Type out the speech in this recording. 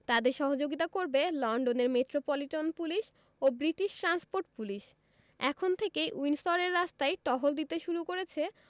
তাঁদের সহযোগিতা করবে লন্ডনের মেট্রোপলিটন পুলিশ ও ব্রিটিশ ট্রান্সপোর্ট পুলিশ এখন থেকেই উইন্ডসরের রাস্তায় টহল দিতে শুরু করেছে